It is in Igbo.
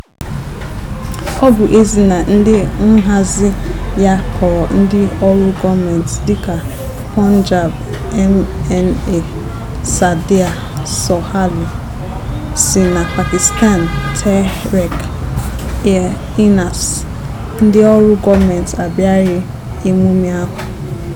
Ọ bụ ezie na ndị nhazi ya kpọrọ ndị ọrụ gọọmentị, dịka Punjab MNA Saadia Sohail si na Pakistan Tehreek e Insaf, ndị ọrụ gọọmentị abịaghị emume ahụ.